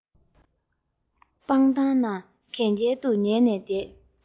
སྤང ཐང ན གན རྐྱལ དུ ཉལ ནས བསྡད